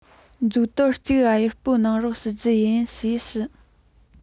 མཛོ དོར གཅིག གཡར པོ གནང རོགས ཞུ རྒྱུ ཡིན ཞེས ཞུས